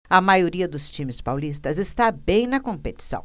a maioria dos times paulistas está bem na competição